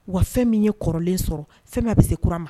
Wa fɛn min ye kɔrɔlen sɔrɔ fɛn bɛ bɛ se k a ma